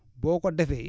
boo ko defee